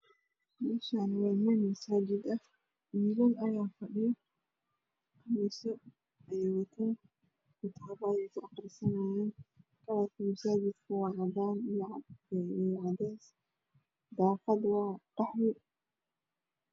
Meeshaani waa meel masaajid ah wiilal ayaa fadhiya pize ayey wataan kitaabo ayey ku aqrisanaayaan kalarka misaajidka waa cadaan iyo cadees daaqada waa qaxwi